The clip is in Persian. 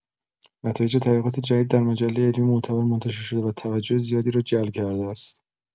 نتایج تحقیقات جدید در مجله علمی معتبر منتشرشده و توجه زیادی را جلب کرده است.